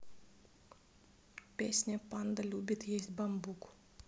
песня панда любит есть бамбук